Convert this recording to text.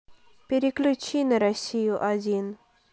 переключи на россию один